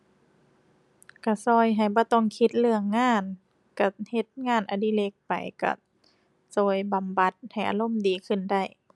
ก็ก็ให้บ่ต้องคิดเรื่องงาน ก็เฮ็ดงานอดิเรกไป ก็ก็บำบัดให้อารมณ์ดีขึ้นได้